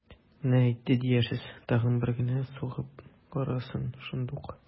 Менә әйтте диярсез, тагын бер генә сугып карасын, шундук...